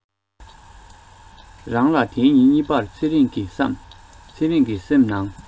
རང ལ དེའི ཉིན གཉིས པར ཚེ རིང གི བསམ ཚེ རིང གི སེམས ནང